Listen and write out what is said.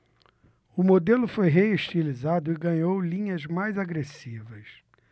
o modelo foi reestilizado e ganhou linhas mais agressivas